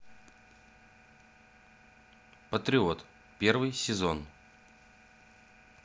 патриот первый сезон